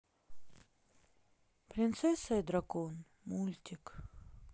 принцесса и дракон мультик